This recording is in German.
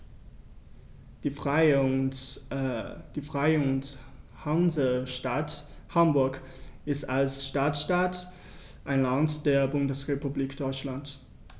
Die Freie und Hansestadt Hamburg ist als Stadtstaat ein Land der Bundesrepublik Deutschland.